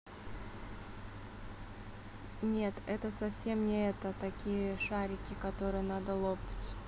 нет это совсем не это такие шарики которые надо лопать